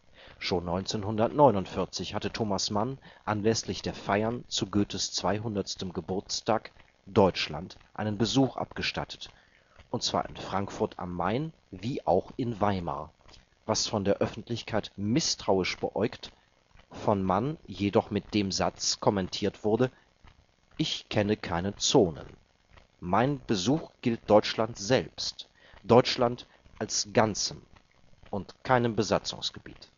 Schon 1949 hatte Thomas Mann anlässlich der Feiern zu Goethes 200. Geburtstag Deutschland einen Besuch abgestattet, und zwar in Frankfurt am Main wie auch in Weimar, was von der Öffentlichkeit misstrauisch beäugt, von Mann jedoch mit dem Satz kommentiert wurde: „ Ich kenne keine Zonen. Mein Besuch gilt Deutschland selbst, Deutschland als Ganzem, und keinem Besatzungsgebiet